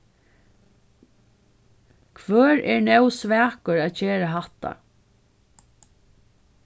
hvør er nóg svakur at gera hatta